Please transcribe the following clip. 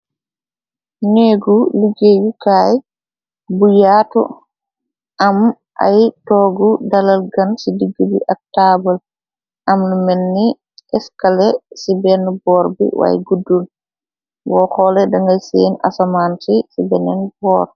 Neegu liggéeyu kaay bu yaatu, am ay toogu dalal gan. Si diggë bi ab taabal, am lu melni eskale si benn boor bi, waay guddul. Boo xoole, dangay seen asamaan si si benen boor bi.